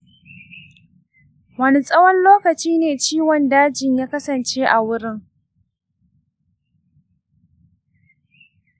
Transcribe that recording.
wane tsawon lokaci ne ciwon dajin ya kasance a wurin?